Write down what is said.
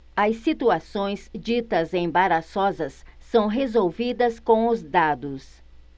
as situações ditas embaraçosas são resolvidas com os dados